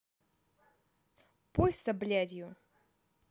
пой со блядь